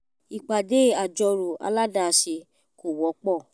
Ìpàdé àjọrò aládàáṣe kò wọ́pọ̀.